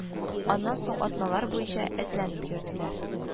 Аннан соң атналар буенча эзләнеп йөрде